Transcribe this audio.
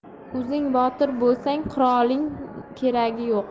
o'zing botir bo'lsang qurolning keragi yo'q